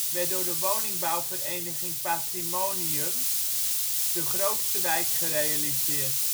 werd door de woningbouwvereniging " Patrimonium " de grootste wijk gerealiseerd